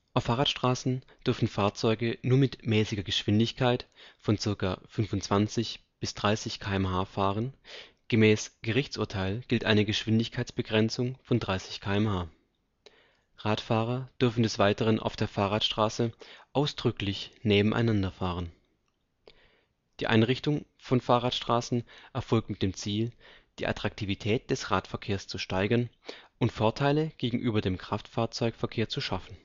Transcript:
Auf Fahrradstraßen dürfen Fahrzeuge nur mit mäßiger Geschwindigkeit (ca. 25 − 30 km/h) fahren, gemäß Gerichtsurteil gilt eine Geschwindigkeitsbegrenzung von 30 km/h. Radfahrer dürfen des weiteren auf der Fahrradstraße ausdrücklich nebeneinander fahren. Die Einrichtung von Fahrradstraßen erfolgt mit dem Ziel, die Attraktivität des Radverkehrs zu steigern und Vorteile gegenüber dem Kraftfahrzeugverkehr zu schaffen